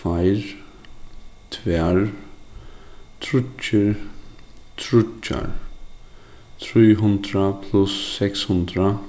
tveir tvær tríggir tríggjar trý hundrað pluss seks hundrað